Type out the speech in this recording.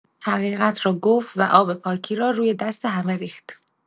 حقیقت را گفت و آب پاکی را روی دست همه ریخت.